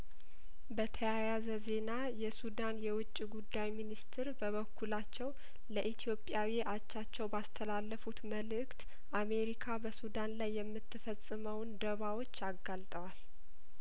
በተያያዘ ዜና የሱዳን የውጪ ጉዳይ ሚኒስትር በበኩላቸው ለኢትዮጵያዊ አቻቸው ባስተላለፉት መልእክት አሜሪካ በሱዳን ላይ የምት ፈጽመውን ደባዎች አጋልጠዋል